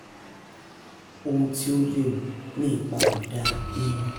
Ohun tí ó léwu ni ìpàwọ̀dàa iyùn.